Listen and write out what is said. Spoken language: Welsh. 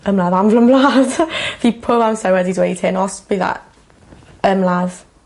ymladd am fy'n wlad. Fi pob amser wedi dweud hyn os bydd a- ymladd